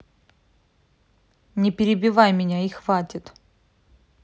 не перебивай меня и хватит